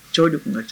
Cɛw de tun ka taa